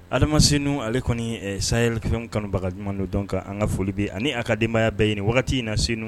Adama sen ale kɔni sayaypfɛn kanubagauma don dɔn kan an ka foli bɛ ani a kadenbayaya bɛɛ ɲini wagati in na sen